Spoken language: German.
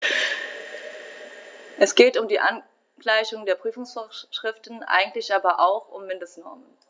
Es geht um die Angleichung der Prüfungsvorschriften, eigentlich aber auch um Mindestnormen.